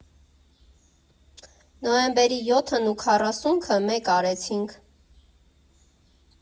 Նոյեմբերի յոթն ու քառսունքը մեկ արեցինք։